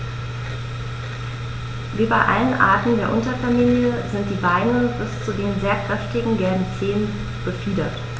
Wie bei allen Arten der Unterfamilie sind die Beine bis zu den sehr kräftigen gelben Zehen befiedert.